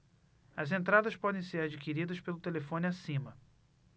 as entradas podem ser adquiridas pelo telefone acima